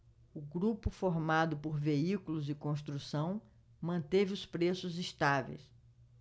o grupo formado por veículos e construção manteve os preços estáveis